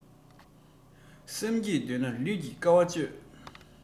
སེམས སྐྱིད འདོད ན ལུས ཀྱི དཀའ བ སྤྱོད